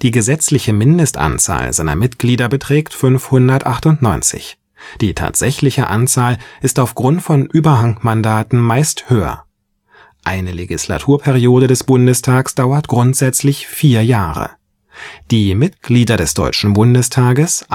gesetzliche Mindestanzahl seiner Mitglieder beträgt 598. Die tatsächliche Anzahl ist aufgrund von Überhangmandaten meist höher. Eine Legislaturperiode des Bundestags dauert grundsätzlich vier Jahre. Die Mitglieder des Deutschen Bundestages